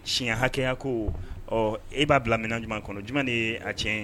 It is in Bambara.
Siɲɛ hakɛya ko ɔ e b'a bila minna ɲuman kɔnɔ j de ye a tiɲɛ